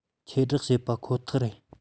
ཁྱབ བསྒྲགས བྱས པ ཁོ ཐག རེད